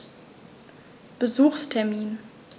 Besuchstermin